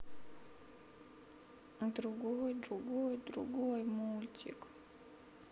другой другой другой мультик